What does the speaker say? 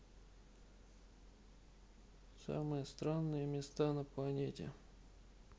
самые странные места на планете